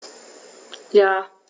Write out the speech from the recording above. Ja.